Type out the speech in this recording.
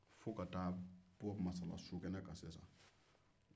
fo ka taa bɔ masala sokala kan